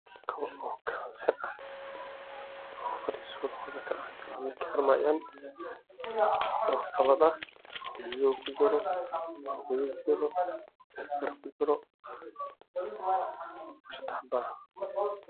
Waa sadex kabood midabkoodii yihiin cadaan madow